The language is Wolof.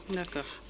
d' accord